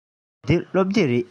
འདི སློབ དེབ རེད